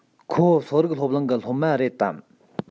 ཁོ གསོ རིག སློབ གླིང གི སློབ མ རེད དམ